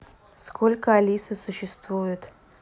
сколько алисы существует